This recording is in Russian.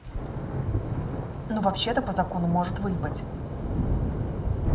ну вообще то по закону может выебать